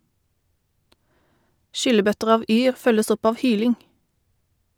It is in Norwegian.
Skyllebøtter av yr følges opp av hyling.